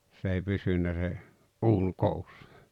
se ei pysynyt se uuni koossa